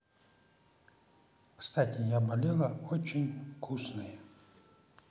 кстати я болела очень вкусное